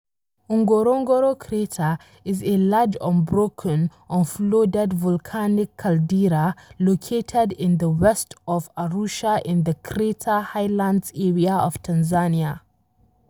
The Ngorongoro Crater is a large, unbroken, unflooded volcanic caldera located in the west of Arusha in the Crater Highlands area of Tanzania.